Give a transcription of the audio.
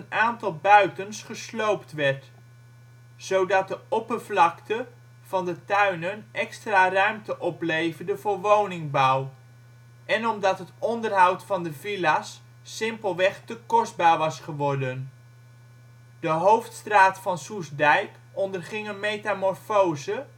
aantal buitens gesloopt werd, zodat de oppervlakte van de tuinen extra ruimte opleverde voor woningbouw en omdat het onderhoud van de villa 's simpelweg te kostbaar was geworden. De hoofdstraat van Soestdijk onderging een metamorfose